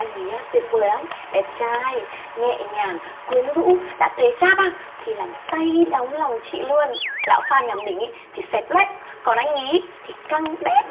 anh ý á tuyệt vời lắm đẹp trai nhẹ nhàng quyến rũ đã thế chát á thì làm sau đắm lòng chị luôn lão phan nhà mình thì dẹp lép còn anh ý thì căng đét